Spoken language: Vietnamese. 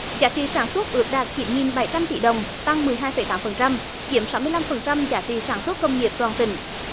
giá trị sản xuất ước đạt chín nghìn bảy trăm tỷ đồng tăng mười hai phẩy tám phần trăm chiếm sáu mươi lăm phần trăm giá trị sản xuất công nghiệp toàn tỉnh